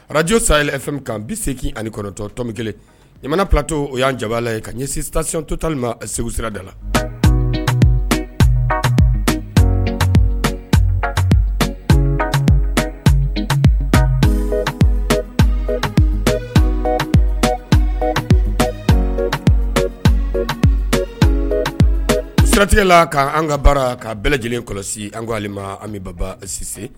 Arajo sa fɛnme kan bi see ani ni kɔrɔtɔtom kelen in mana patɔ o y'an jaba ye ka ɲɛsito tanli ma segu sira da la siratigɛla k' an ka baara k kaa bɛɛ lajɛlen kɔlɔsi an ka an bɛ baba sise